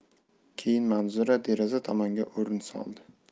keyin manzura deraza tomonga o'rin soldi